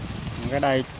ở đây